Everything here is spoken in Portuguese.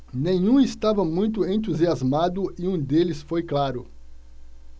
nenhum estava muito entusiasmado e um deles foi claro